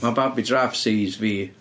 Ma' babi jiraff seis fi.